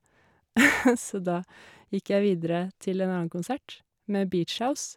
Så da gikk jeg videre til en annen konsert med Beach House.